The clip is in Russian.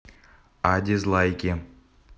а дизлайки